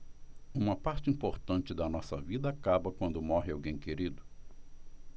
uma parte importante da nossa vida acaba quando morre alguém querido